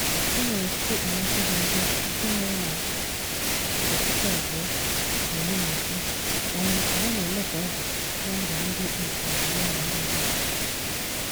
Enwere ọtụtụ okpomọkụ dị njọ nke mere na 2015, mana ole na ole ka ọ dị na mba Middle East na Julai na Ọgọọst.